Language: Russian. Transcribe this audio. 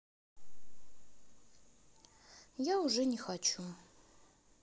я уже не хочу